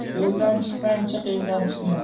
yo'ldan chiqsang chiq eldan chiqma